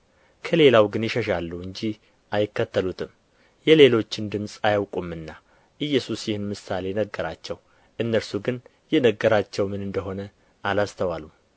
ከሌላው ግን ይሸሻሉ እንጂ አይከተሉትም የሌሎችን ድምፅ አያውቁምና ኢየሱስ ይህን ምሳሌ ነገራቸው እነርሱ ግን የነገራቸው ምን እንደ ሆነ አላስተዋሉም